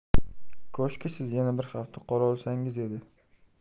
koshki siz yana bir hafta qolaolsangiz edi